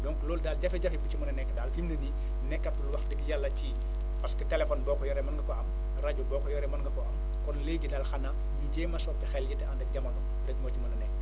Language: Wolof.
donc loolu daal jafe-jafe bi ci mën a nekk daal fi mu ne nii nekkatul wax dëgg yàlla ci parce que téléphone boo ko yoree mun nga ko am rajo boo ko yoree mun nga ko am kon léegi daal xanaa di jéem a soppi xel yi te ànd ak jamono rek moo ci mën a nekk